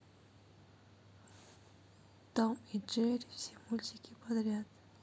том и джерри все мультики подряд